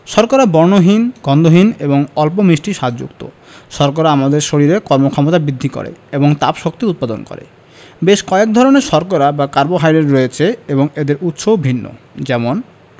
শর্করা বর্ণহীন গন্ধহীন এবং অল্প মিষ্টি স্বাদযুক্ত শর্করা আমাদের শরীরে কর্মক্ষমতা বৃদ্ধি করে এবং তাপশক্তি উৎপাদন করে বেশ কয়েক ধরনের শর্করা বা কার্বোহাইড্রেট রয়েছে এবং এদের উৎসও ভিন্ন যেমন